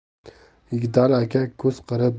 yigitali aka ko'z qiri